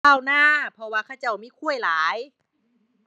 ชาวนา เพราะว่าเขาเจ้ามีควายหลาย